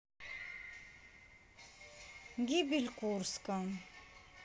гибель курска